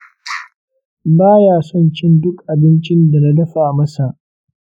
ba ya son cin duk abincin da na dafa masa.